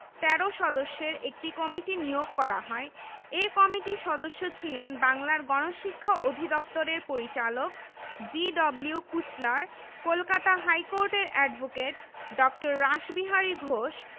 ঢাকা বিশ্ববিদ্যালয়ের জন্য একটি প্রকল্প প্রণয়ন করেন প্রস্তাবে বলা হয় যে এ বিশ্ববিদ্যালয় হবে শিক্ষাদান